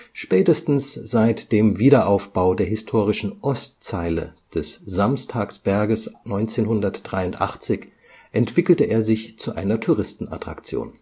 Spätestens seit dem Wiederaufbau der historischen Ostzeile des Samstagsberges 1983 entwickelte er sich zu einer Touristenattraktion